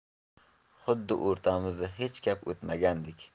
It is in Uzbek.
xuddi o'rtamizda hech gap o'tmagandek